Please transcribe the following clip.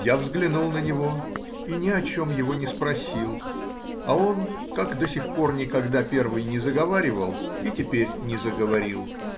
Я взглянул на него и ни о чем его не спросил, а он, как до сих пор никогда первый не заговаривал, и теперь не заговорил.